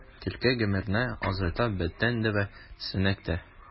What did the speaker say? Көлке гомерне озайта — бөтен дәва “Сәнәк”тә.